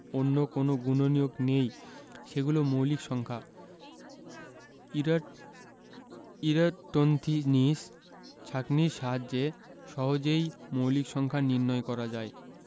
অন্য কোনো গুণনীয়ক নেই সেগুলো মৌলিক সংখ্যা ইরাটোন্থিনিস ছাঁকনির সাহায্যে সহজেই মৌলিক সংখ্যা নির্ণয় করা যায়